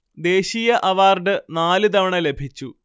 ദേശീയ അവാര്‍ഡ് നാലു തവണ ലഭിച്ചു